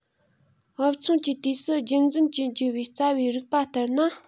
བབ མཚུངས ཀྱི དུས སུ རྒྱུད འཛིན བགྱི བའི རྩ བའི རིགས པ ལྟར ན